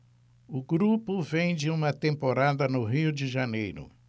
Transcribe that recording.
o grupo vem de uma temporada no rio de janeiro